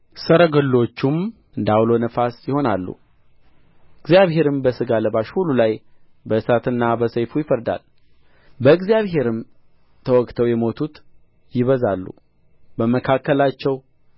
ሰረገሎቹም እንደ ዐውሎ ነፋስ ይሆናሉ እግዚአብሔርም በሥጋ ለባሽ ሁሉ ላይ በእሳትና በሰይፉ ይፈርዳል በእግዚአብሔርም ተወግተው የሞቱት ይበዛሉ በመካከላቸው